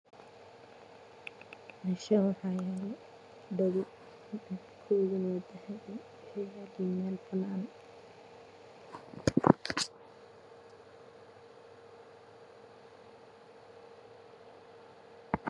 Meeshaan waxaa yaalo dhago kalarkiisuna dahabi waxuu yaalaa meel banaan ah.